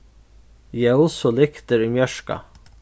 ljós og lyktir í mjørka